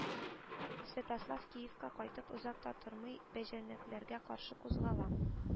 Святослав Киевка кайтып, озак та тормый, бәҗәнәкләргә каршы кузгала